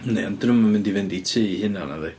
Yndi ond dyn nhw'm yn mynd i fynd i tŷ ei hunan nadi?